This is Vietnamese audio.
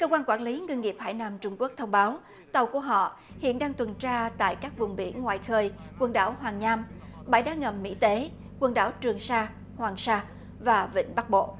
cơ quan quản lý ngư nghiệp hải nam trung quốc thông báo tàu của họ hiện đang tuần tra tại các vùng biển ngoài khơi quần đảo hoàng nham bãi đá ngầm mỹ tế quần đảo trường sa hoàng sa và vịnh bắc bộ